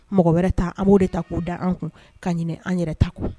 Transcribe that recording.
Mɔgɔ wɛrɛ taa an b'o de ta k'o da an kun ka an yɛrɛ ta kun